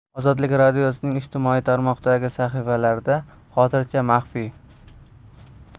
ozodlik radiosining ijtimoiy tarmoqdagi sahifalarida hozircha maxfiy